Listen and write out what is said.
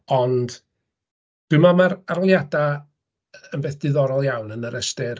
Ond dwi'n meddwl mae'r arholiadau yn beth diddorol iawn yn yr ystyr...